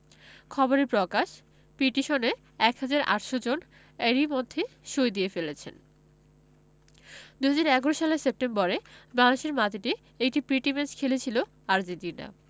খবরে প্রকাশ পিটিশনে ১ হাজার ৮০০ জন এরই মধ্যে সই দিয়ে ফেলেছেন ২০১১ সালের সেপ্টেম্বরে বাংলাদেশের মাটিতে একটি প্রীতি ম্যাচ খেলেছিল আর্জেন্টিনা